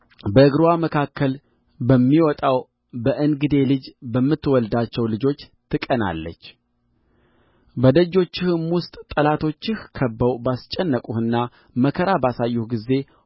በእግርዋ መካከል በሚወጣው በእንግዴ ልጅ በምትወልዳቸውም ልጆች ትቀናለች በደጆችህም ውስጥ ጠላቶችህ ከብበው ባስጨነቁህና መከራ ባሳዩህ ጊዜ